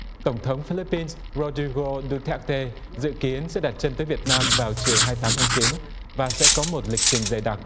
tổng thống phi líp pin rô đi gô du téc tê dự kiến sẽ đặt chân tới việt nam vào chiều hai tám tháng chín và sẽ có một lịch trình dày đặc